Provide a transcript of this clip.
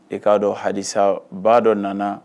E k'a dɔn halisa ba dɔ nana